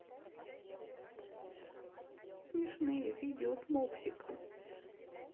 смешные видео с мопсиком